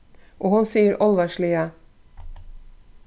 og hon sigur álvarsliga